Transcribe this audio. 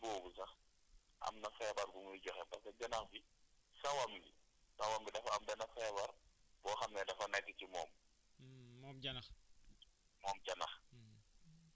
ci loolu te te te te lu ñu xamul mooy maanaam janax boobu sax am na feebar bu muy joxe parce que janax bi sawam yi sawam bi dafa am benn feebar boo xam ne dafa nekk ci moom